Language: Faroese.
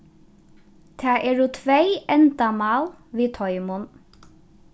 tað eru tvey endamál við teimum